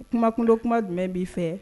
O kumakundo kuma jumɛn b'i fɛ